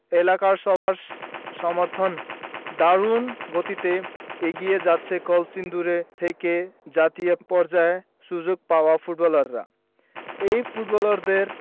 এলাকার সবার সমর্থনে দারুণ গতিতে এগিয়ে যাচ্ছে কলসিন্দুর থেকে জাতীয় পর্যায়ে সুযোগ পাওয়া ফুটবলাররা এই ফুটবলারদের